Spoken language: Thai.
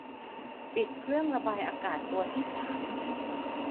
ปิดเครื่องระบายอากาศตัวที่สาม